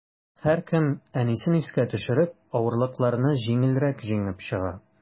Һәркем, әнисен искә төшереп, авырлыкларны җиңелрәк җиңеп чыга.